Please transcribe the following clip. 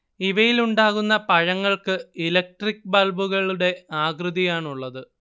ഇവയിലുണ്ടാകുന്ന പഴങ്ങൾക്ക് ഇലക്ട്രിക് ബൾബുകളുടെ ആകൃതിയാണുള്ളത്